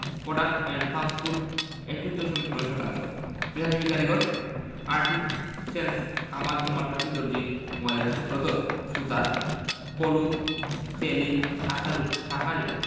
production and transport ২১ দশমিক ৯ শতাংশ পেশাজীবী কারিগরঃ আর্টিসেন্স কামার কুমার তাঁতি দর্জি ময়রা সূত্রধর সুতার কলু তেলী কাঁসারু শাঁখারি